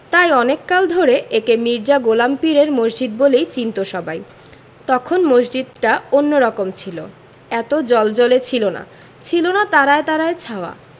তাই অনেক কাল ধরে একে মির্জা গোলাম পীরের মসজিদ বলেই চিনতো সবাই তখন মসজিদটা অন্যরকম ছিল এত জ্বলজ্বলে ছিল না ছিলনা তারায় তারায় ছাওয়া